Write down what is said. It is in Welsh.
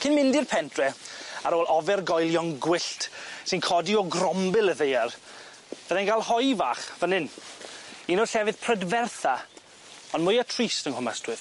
Cyn mynd i'r pentre ar ôl ofergoelion gwyllt sy'n codi o grombil y ddaear fyddai'n ga'l hoi fach fyn 'yn, un o'r llefydd prydfertha on' mwya trist yng Nghwm Ystwyth.